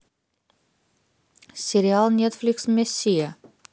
сериал нетфликс мессия